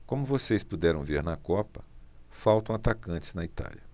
como vocês puderam ver na copa faltam atacantes na itália